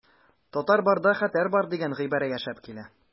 Татар барда хәтәр бар дигән гыйбарә яшәп килә.